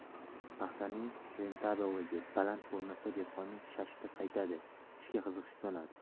paxtaning rentabelligi baland bo'lmasa dehqonning shashti qaytadi ishga qiziqishi so'nadi